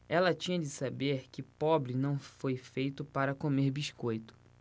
ela tinha de saber que pobre não foi feito para comer biscoito